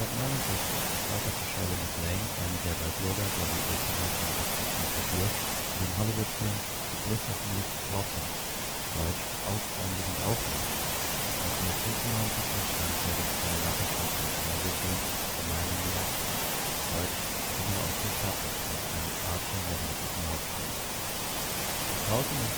1969 verkörperte Shirley MacLaine eine der Walburga „ Dolly “Oesterreich nachempfundene Figur in den Hollywood-Film The Bliss of Mrs. Blossom (deutsch: „ Hausfreunde sind auch Menschen “), 1995 entstand der dem Fall nachempfundene Fernsehfilm The Man in the Attic (deutsch: „ Killer aus dem Schatten “) mit Anne Archer in der weiblichen Hauptrolle. Das Haus, in